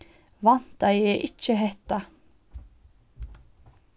væntaði eg ikki hetta